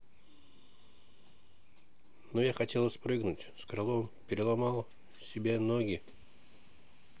но я хотела спрыгнуть с крылом переломал себя ноги